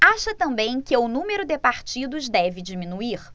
acha também que o número de partidos deve diminuir